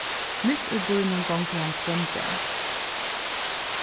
mitt í býnum gongur hann hvønn dag